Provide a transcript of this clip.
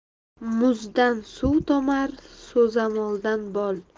muzdan suv tomar so'zamoldan bol